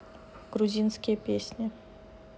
грузинские песни